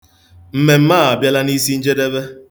Mmemme a abịala n'isinjedebe.